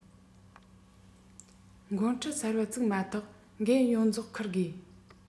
འགོ ཁྲིད གསར པ བཙུགས མ ཐག འགན ཡོངས རྫོགས འཁུར དགོས